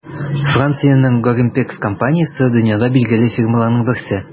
Франциянең Gorimpex компаниясе - дөньяда билгеле фирмаларның берсе.